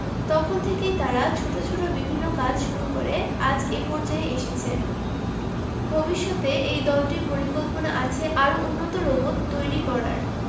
তখন থেকেই তারা ছোট ছোট বিভিন্ন কাজ শুরু করে আজ এ পর্যায়ে এসেছেন ভবিষ্যতে এই দলটির পরিকল্পনা আছে আরও উন্নত রোবট তৈরি করার